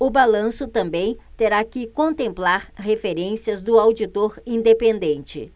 o balanço também terá que contemplar referências do auditor independente